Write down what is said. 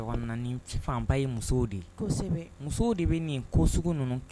Fanba ye de kosɛbɛ musow de bɛ nin ko sugu ninnu